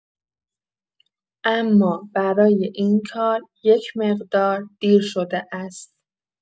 اما برای این کار یک مقدار دیر شده است.